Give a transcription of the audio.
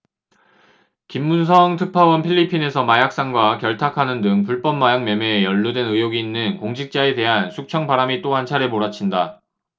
김문성 특파원 필리핀에서 마약상과 결탁하는 등 불법 마약 매매에 연루된 의혹이 있는 공직자에 대한 숙청 바람이 또 한차례 몰아친다